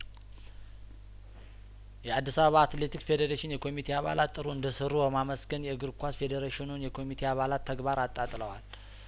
የአዲስአባ አትሌቲክ ፌዴሬሽን የኮሚቴ አባላት ጥሩ እንደሰሩ በማመስገን የእግር ኳስ ፌዴሬሽኑን የኮሚቴ አባላት ተግባር አጣጥለዋል